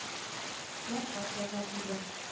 — я хат язар диде